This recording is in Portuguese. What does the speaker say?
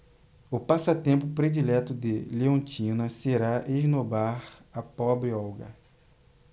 o passatempo predileto de leontina será esnobar a pobre olga